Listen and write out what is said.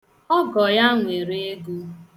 Ọgọ ya nwere ego.